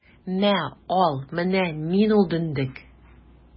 Мә, ал, менә мин ул дөндек!